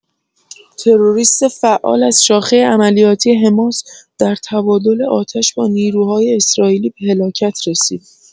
تروریست فعال از شاخه عملیاتی حماس در تبادل آتش با نیروهای اسراییلی به هلاکت رسید.